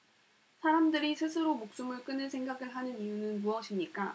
사람들이 스스로 목숨을 끊을 생각을 하는 이유는 무엇입니까